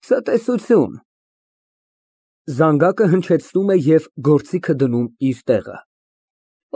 Ցտեսություն»։ (Զանգակը հնչեցնում է և գործիքը դնում է իր տեղը)։